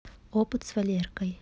опыт с валеркой